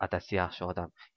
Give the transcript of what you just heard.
adasi yaxshi odam